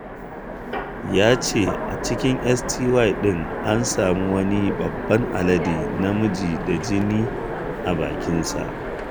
Ya ce a cikin sty ɗin an sami wani babban alade namiji da jini a bakinsa.